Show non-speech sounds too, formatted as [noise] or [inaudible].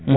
[hesitation] [hesitation]